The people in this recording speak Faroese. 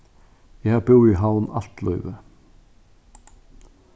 eg havi búð í havn alt lívið